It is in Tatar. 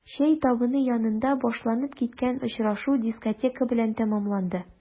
Чәй табыны янында башланып киткән очрашу дискотека белән тәмамланды.